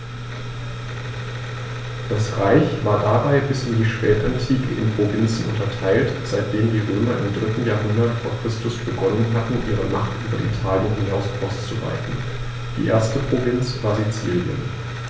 Das Reich war dabei bis in die Spätantike in Provinzen unterteilt, seitdem die Römer im 3. Jahrhundert vor Christus begonnen hatten, ihre Macht über Italien hinaus auszuweiten (die erste Provinz war Sizilien).